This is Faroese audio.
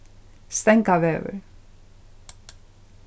stangavegur